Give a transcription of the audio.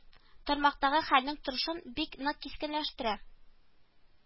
Тармактагы хәлнең торышын бик нык кискенләштерә